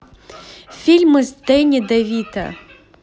фильмы с дэнни де вито